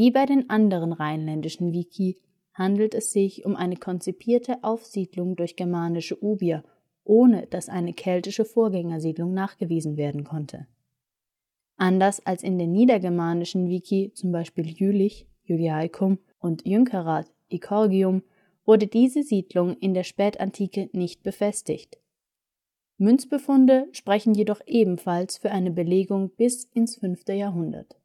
bei den anderen rheinländischen vici handelt es sich um eine konzipierte Aufsiedlung durch germanische Ubier, ohne dass eine keltische Vorgängersiedlung nachgewiesen werden konnte. Anders als in anderen niedergermanischen vici bsp. Jülich (Iuliacum) und Jünkerath (Icorigium) wurde diese Siedlung in der Spätantike nicht befestigt. Münzfunde sprechen jedoch ebenfalls für eine Belegung bis ins 5. Jahrhundert